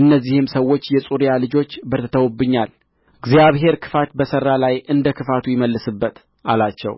እነዚህም ሰዎች የጽሩያ ልጆች በርትተውብኛል እግዚአብሔር ክፋት በሠራ ላይ እንደ ክፋቱ ይመልስበት አላቸው